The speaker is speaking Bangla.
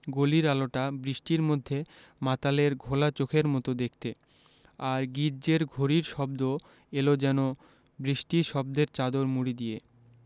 গলির আলোটা বৃষ্টির মধ্যে মাতালের ঘোলা চোখের মত দেখতে আর গির্জ্জের ঘড়ির শব্দ এল যেন বৃষ্টির শব্দের চাদর মুড়ি দিয়ে